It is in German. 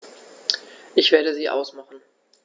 Ich werde sie ausmachen.